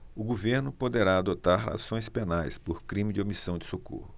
o governo poderá adotar ações penais por crime de omissão de socorro